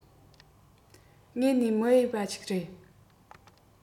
དངོས ནས མི འོས པ ཞིག རེད